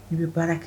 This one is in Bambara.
I bɛ baara kɛ